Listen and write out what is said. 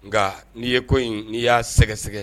Nka n'i ye ko in n'i y'a sɛgɛsɛgɛ